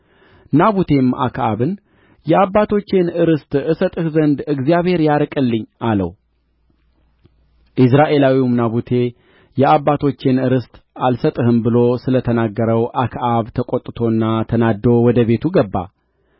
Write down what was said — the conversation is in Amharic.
ናቡቴም አክዓብን የአባቶቼን ርስት እሰጥህ ዘንድ እግዚአብሔር ያርቅልኝ አለው ኢይዝራኤላዊውም ናቡቴ የአባቶቼን ርስት አልሰጥህም ብሎ ስለ ተናገረው አክዓብ ተቈጥቶና ተናድዶ ወደ ቤቱ ገባ